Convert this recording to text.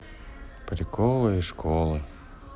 приколы из школы